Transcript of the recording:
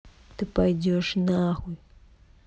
ты пойдешь нахуй